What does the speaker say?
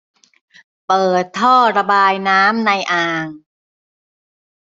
เปิดท่อระบายน้ำในอ่าง